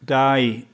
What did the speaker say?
Dau